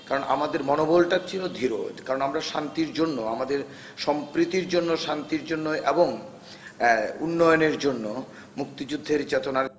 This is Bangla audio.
কারণ আমাদের মনবল টা ছিল দৃঢ় কারণ আমরা শান্তির জন্য আমাদের সম্প্রীতির জন্য শান্তির জন্য এবং উন্নয়নের জন্য মুক্তিযুদ্ধের চেতনার